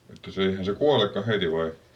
että se eihän se kuolekaan heti vai